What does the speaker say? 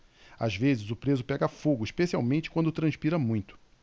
às vezes o preso pega fogo especialmente quando transpira muito